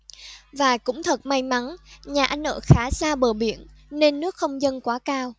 và cũng thật may mắn nhà anh ở khá xa bờ biển nên nước không dâng quá cao